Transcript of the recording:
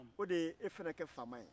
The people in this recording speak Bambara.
o de ye e fɛnɛ kɛ faama